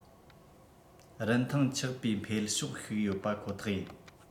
རིན ཐང ཆག པ ཀྱི འཕེལ ཕྱོགས ཤིག ཡོད ཁོ ཐག ཡིན